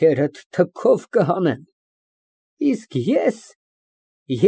Բայց ինձ ներիր, ես ատում եմ խավարը։ (Շուռ է տալիս սեղանատան դռների մոտ էլեկտրական թելի կոճակը)։